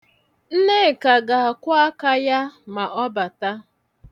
Nneka ga-akwọ aka ya ma ọ bata.